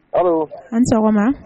Ɔwɔ anɔgɔma